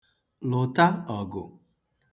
lụ̀ta ọ̀gụ̀